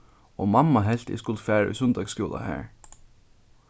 og mamma helt at eg skuldi fara í sunnudagsskúla har